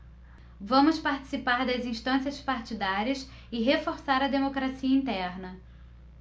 vamos participar das instâncias partidárias e reforçar a democracia interna